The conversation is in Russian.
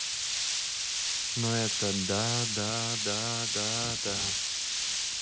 ну это да да да да да да